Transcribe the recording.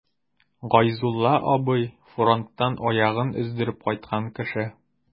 Гайзулла абый— фронттан аягын өздереп кайткан кеше.